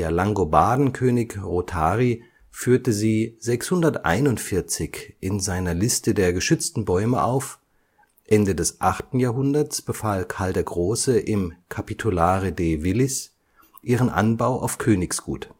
Langobarden-König Rothari führte sie 641 in seiner Liste der geschützten Bäume auf, Ende des 8. Jahrhunderts befahl Karl der Große im Capitulare de villis ihren Anbau auf Königsgut